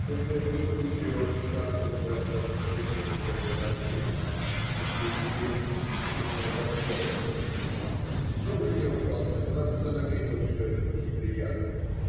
После этого случая он часто возвращался к предмету своих огорчений (Евсей Евсеич искренно огорчается за меня), но уже не ругался, потому что заметил, что это мне неприятно.